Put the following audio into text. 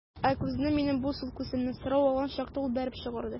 Ә күзне, минем бу сул күземне, сорау алган чакта ул бәреп чыгарды.